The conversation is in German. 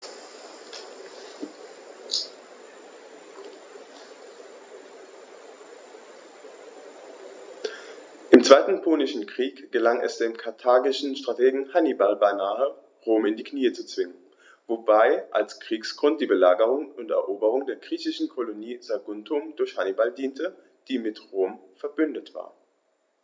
Im Zweiten Punischen Krieg gelang es dem karthagischen Strategen Hannibal beinahe, Rom in die Knie zu zwingen, wobei als Kriegsgrund die Belagerung und Eroberung der griechischen Kolonie Saguntum durch Hannibal diente, die mit Rom „verbündet“ war.